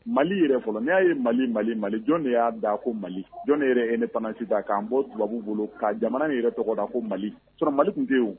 Mali yɛrɛ fɔlɔ n y'a ye mali mali mali jɔn de y'a da ko mali jɔn de yɛrɛ ne pananasi ta k'an bɔ tubabu bolo ka jamana in yɛrɛ tɔgɔda ko mali sɔrɔ mali tun tɛ yen